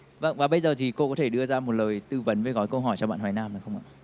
vâng và bây giờ thì cô có thể đưa ra một lời tư vấn với gói câu hỏi cho bạn hoài nam được không ạ